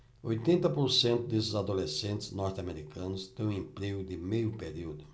oitenta por cento desses adolescentes norte-americanos têm um emprego de meio período